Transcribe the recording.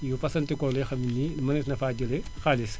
yu fasantikoo la yoo xam ni mënees na faa jëlee xaalis